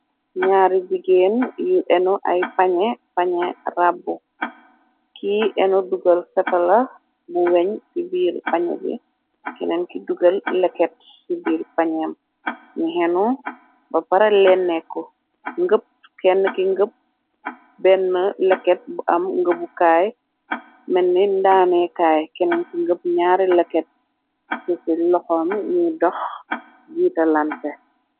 ñaari digéen yu enu ay pañe pañe rabb ki enu dugal setala bu weñ ci biir pañ bi keneen ki dugal leket ci biir pañeem ñi xenu ba para leen neku ngëpp kenn ki ngëpp benn leket bu am ngëbu kaay menni ndaane kaay keneen ki ngëp ñaari leket ci ci loxo mi ñuy dox jiita lante.